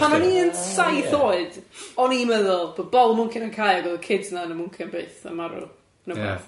... A pan o'n i'n saith oed o'n i'n meddwl bod bol y mwnci'n cau ag oedd y kids yna yn y mwnci am byth a marw. Ia.